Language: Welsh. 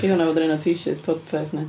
Geith hwnna fod yn un o t-shirts podpeth ni.